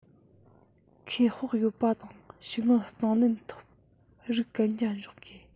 ཁེ སྤོགས ཡོད པ དང ཕྱི དངུལ གཙང ལོན ཐུབ རིགས གན རྒྱ འཇོག དགོས